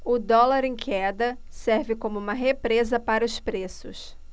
o dólar em queda serve como uma represa para os preços